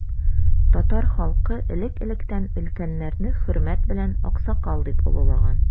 Татар халкы элек-электән өлкәннәрне хөрмәт белән аксакал дип олылаган.